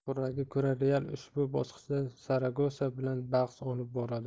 qur'aga ko'ra real ushbu bosqichda saragosa bilan bahs olib boradi